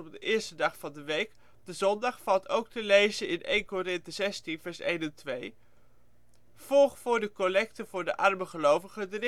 de eerste dag van de week, de zondag, valt ook te lezen in 1 Corinthe 16 vers 1 en 2: Volg voor de collecte voor de arme gelovigen de